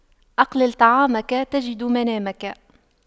أقلل طعامك تجد منامك